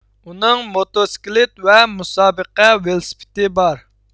ئۇنىڭ موتسىكلىت ۋە مۇسابىقە ۋېلىسىپىتى بار